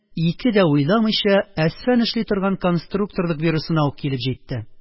Ике дә уйламыйча, әсфан эшли торган конструкторлык бюросына ук килеп җитте.